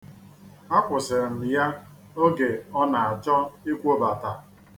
Akwụsịrị m ya oge ọ na-achọ ikwobata.